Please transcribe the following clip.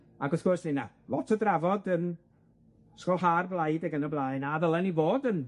Ac wrth gwrs, bu 'na lot o drafod yn ysgolha'r blaid ac yn y blaen, a ddyla ni fod yn